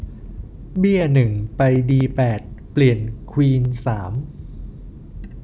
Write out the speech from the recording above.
เบี้ยหนึ่งไปดีแปดเปลี่ยนควีนสาม